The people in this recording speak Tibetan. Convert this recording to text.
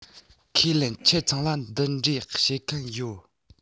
ཁས ལེན ཁྱེད ཚང ལ འདི འདྲའི བྱེད མཁན ཡོད